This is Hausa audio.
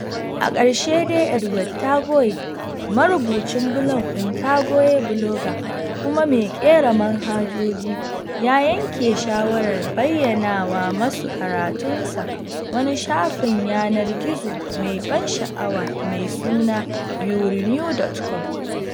A ƙarshe dai Edward Tagoe, marubucin blog ɗin Tagoe Blogger kuma mai ƙera manhajoji, ya yanke shawarar bayyanawa masu karatunsa wani shafin yanar gizo mai ban sha’awa mai suna YOURENEW.COM.